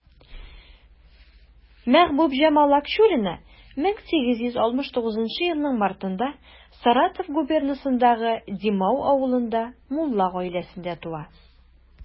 Мәхбүбҗамал Акчурина 1869 елның мартында Саратов губернасындагы Димау авылында мулла гаиләсендә туа.